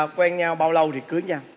quen nhau bao lâu thì cưới nhau